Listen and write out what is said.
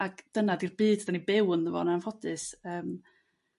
Ac dyna 'di'r byd 'dan ni'n byw ynddo fo'n anffodus yrm.